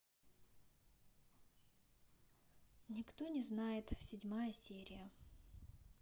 никто не знает седьмая серия